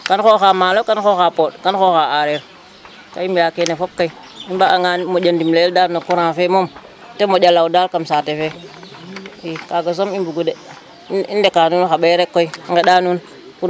Kan xooxaa maalo, kan xooxa pooƭ kan xooxaa areer ga i mbi'aa kene fop kay nu mbaagangaan moƴo ndimle'el daal no courant fe mom ta moƴo law daal kam saate fe i kaaga som i mbugu de i ndekaa nuun xa ɓay rek nqeɗa nuun.